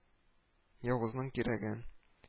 Явызньң кирәген!"